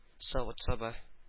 Савыт-саба